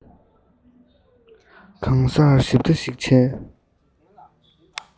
གང སར ཞིབ ལྟ ཞིག བྱས